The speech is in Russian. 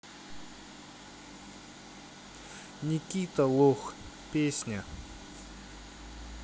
никита лох песня